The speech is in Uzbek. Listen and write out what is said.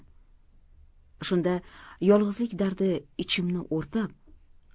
shunda yolg'izlik dardi ichimni o'rtab